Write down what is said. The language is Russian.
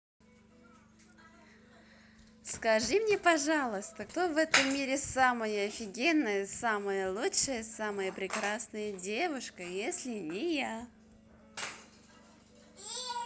скажи мне пожалуйста кто в этом мире самая офигенная самая лучшая самая прекрасная девушка если не я